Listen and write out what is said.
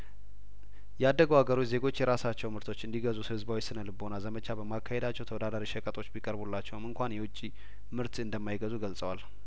ያደጉ አገሮች ዜጐች የራሳቸውንምርቶች እንዲገዙ ህዝባዊ የስነ ልቦና ዘመቻዎችን በማካሄዳቸው ተወዳዳሪ ሸቀጦች ቢቀርቡላቸውም እንኳን የውጭ ምርት እንደማይገዙ ገልጸዋል